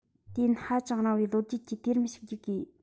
དུས ཡུན ཧ ཅང རིང བའི ལོ རྒྱུས ཀྱི དུས རིམ ཞིག བརྒྱུད དགོས